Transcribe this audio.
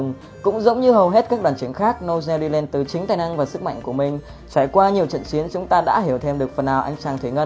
cũng giống như hầu hết các đoàn trưởng khác nozel đi lên từ chính tài năng và sức mạnh của mình trải qua nhiều trận chiến chúng ta đã hiểu thêm được phần nào anh chàng thủy ngân này